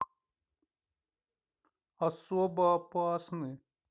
особо опасны